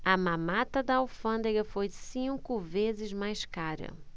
a mamata da alfândega foi cinco vezes mais cara